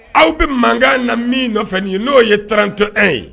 Aw bɛ mankan na min fana ye n'o ye tranto an ye